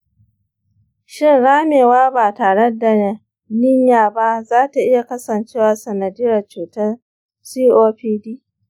shin ramewa ba tare da niyya ba za ta iya kasancewa sanadiyyar cutar copd?